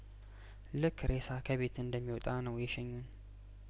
ልክ እሬሳ ከቤት እንደሚወጣ ነው የሸኙን